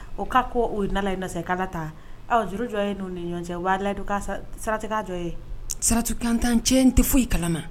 O'a ko o ye na ye nakala ta s jɔ ye'o ni ɲɔgɔn cɛ waga don'a sirajɛjɔ ye saratu kantan cɛ in tɛ foyi kalama